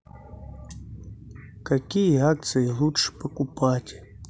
какие акции лучше покупать